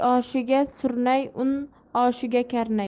un oshiga karnay